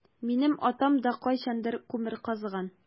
Минем атам да кайчандыр күмер казыган.